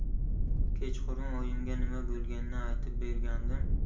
kechqurun oyimga nima bo'lganini aytib bergandim